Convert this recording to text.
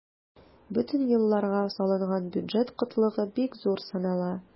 Бөтен елларга салынган бюджет кытлыгы бик зур санала.